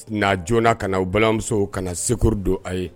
Na joona kana u balimamuso kana secours don a ye